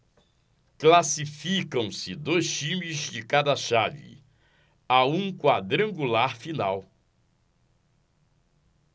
classificam-se dois times de cada chave a um quadrangular final